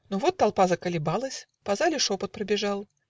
Но вот толпа заколебалась, По зале шепот пробежал.